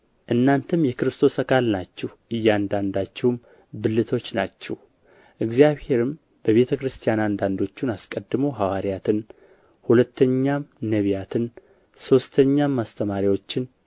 እናንተም የክርስቶስ አካል ናችሁ እያንዳንዳችሁም ብልቶች ናችሁ እግዚአብሔርም በቤተ ክርስቲያን አንዳንዶቹን አስቀድሞ ሐዋርያትን ሁለተኛም ነቢያትን ሦስተኛም አስተማሪዎችን